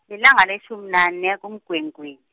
lilanga letjhumi nane, kuMgwengweni.